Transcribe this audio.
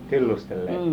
tillustelleet